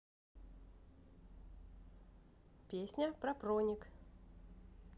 песня мне проник